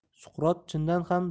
suqrot chindan ham